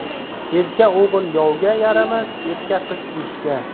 erka o'g'il yovga yaramas erka qiz ishga